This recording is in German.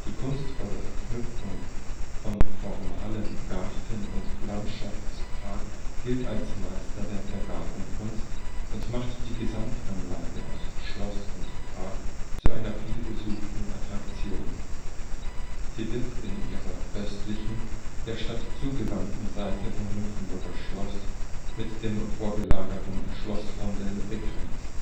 kunstvolle Verknüpfung von formalem Garten und Landschaftspark gilt als Meisterwerk der Gartenkunst und macht die Gesamtanlage aus Schloss und Park zu einer vielbesuchten Attraktion. Sie wird an ihrer östlichen, der Stadt zugewandten Seite vom Nymphenburger Schloss mit dem vorgelagerten Schlossrondell begrenzt